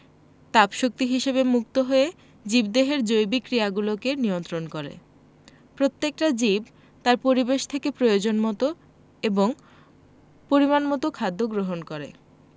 তাপ শক্তি হিসেবে মুক্ত হয়ে জীবদেহের জৈবিক ক্রিয়াগুলোকে নিয়ন্ত্রন করে প্রত্যেকটা জীব তার পরিবেশ থেকে প্রয়োজনমতো এবং পরিমাণমতো খাদ্য গ্রহণ করে